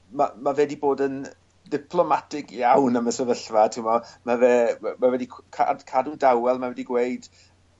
ma' ma' fe 'di bod yn diplomatic iawn am y sefyllfa ti'mo' ma' fe ma' ma' fe 'di cw- cadw'n dawel ma' wedi gweud